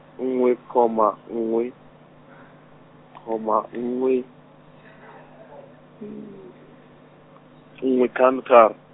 nngwe comma nngwe , comma nngwe, nngwe tlhano tharo.